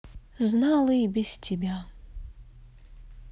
знала и без тебя